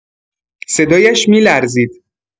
صدایش می‌لرزید.